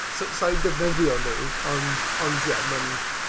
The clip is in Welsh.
sa- sai'n defnyddio nw. On- ond ie ma'n